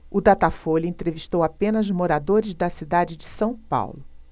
o datafolha entrevistou apenas moradores da cidade de são paulo